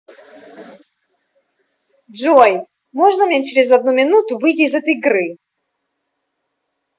джой можно мне через одну минуту выйти из этой игры